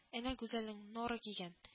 Әнә гүзәлең нора килгән